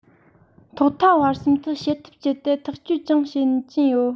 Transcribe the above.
ཐོག མཐའ བར གསུམ དུ བྱེད ཐབས སྤྱད དེ ཐག གཅོད ཀྱང བྱེད ཀྱིན ཡོད